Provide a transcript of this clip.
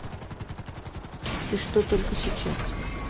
и что только сейчас